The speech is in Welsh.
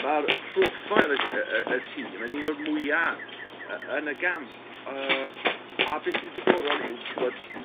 ma'r proffil y y y tîm yn un o'r mwy yy yn y gamp a a be' sy ddiddorol yw t'wbod